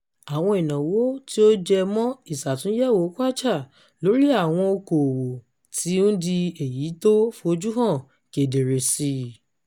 Àwọn ìnáwó tó jẹmọ́ ìṣå̀túnyẹ̀wò Kwacha lórí àwọn okoòwò ti ń di èyí tó fojúhan kedere sí i.